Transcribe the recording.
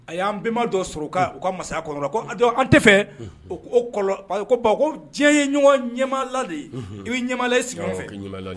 A y'anbenba dɔ sɔrɔ u ka masaya kɔnɔ an tɛ fɛ ko ko diɲɛ ye ɲɔgɔnma de i bɛ ɲamala sigi fɛ